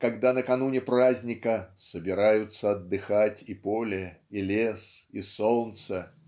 когда накануне праздника "собираются отдыхать и поле и лес и солнце